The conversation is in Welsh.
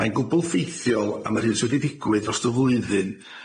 Mae'n gwbwl ffeithiol am yr hyn sydd wedi digwydd dros y flwyddyn.